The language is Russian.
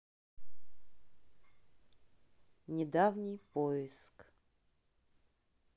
недавний поиск